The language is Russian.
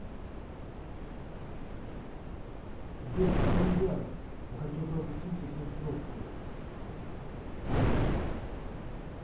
сбер что мне делать я хочу пропустить все эти инструкции